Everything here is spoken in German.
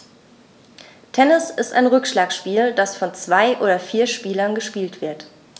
Tennis ist ein Rückschlagspiel, das von zwei oder vier Spielern gespielt wird.